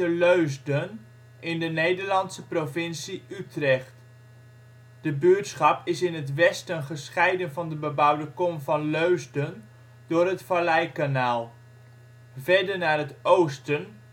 Leusden, in de Nederlandse provincie Utrecht. De buurtschap is in het westen gescheiden van de bebouwde kom van Leusden door het Valleikanaal. Verder naar het oosten